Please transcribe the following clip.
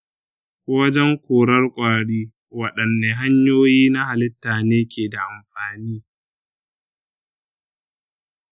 wajen korar kwari, waɗanne hanyoyi na halitta ne ke da amfani?